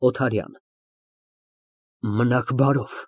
ՕԹԱՐՅԱՆ ֊ Մնաք բարով։